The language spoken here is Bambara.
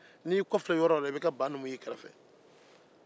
n'i y'i kɔfile yɔrɔ o yɔrɔ i b'i ka baa numu y'i kɛrɛfɛ